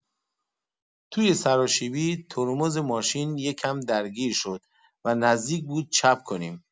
توی سراشیبی، ترمز ماشین یه کم درگیر شد و نزدیک بود چپ کنیم!